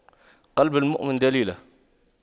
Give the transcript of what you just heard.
قلب المؤمن دليله